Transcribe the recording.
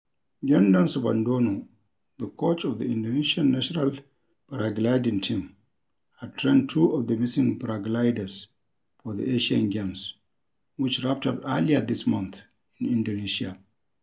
Gendon Subandono, the coach of the Indonesian national paragliding team, had trained two of the missing paragliders for the Asian Games, which wrapped up earlier this month in Indonesia.